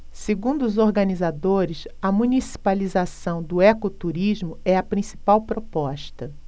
segundo os organizadores a municipalização do ecoturismo é a principal proposta